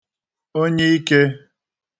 ònyiikē